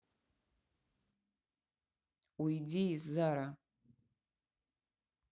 уйди из zara